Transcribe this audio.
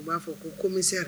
U b'a fɔ komi